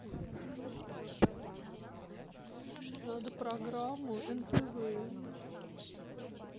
надо программу нтв